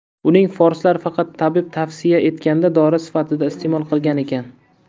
uni forslar faqat tabib tavsiya etganda dori sifatida iste'mol qilgan ekan